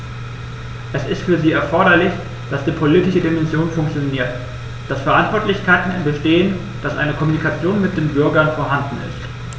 Es ist für sie erforderlich, dass die politische Dimension funktioniert, dass Verantwortlichkeiten bestehen, dass eine Kommunikation mit den Bürgern vorhanden ist.